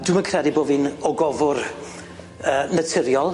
Dwi'm yn credu bo' fi'n ogofwr yy naturiol.